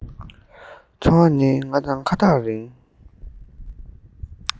འཚོ བ ནི ང དང ཁ ཐག རིང